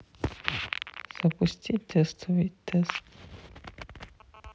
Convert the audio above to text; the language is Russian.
запусти тестовый тест